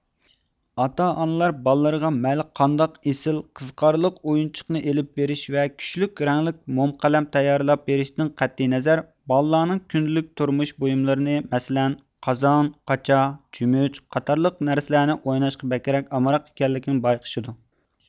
ئاتا ئانىلار بالىلىرىغا مەيلى قانداق ئېسىل قىزىقارلىق ئويۇنچۇقنى ئېلىپ بېرىش ۋە كۈچلۈك رەڭلىك موم قەلەم تەييارلاپ بېرىشتىن قەتئىينەزەر بالىلارنىڭ كۈندىلىك تۇرمۇش بۇيۇملىرىنى مەسىلەن قازان قاچا چۆمۈچ قاتارلىق نەرسىلەرنى ئويناشقا بەكرەك ئامراق ئىكەنلىكىنى بايقىشىدۇ